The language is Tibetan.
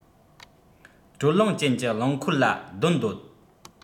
དྲོད རླངས ཅན གྱི རླངས འཁོར ལ སྡོད འདོད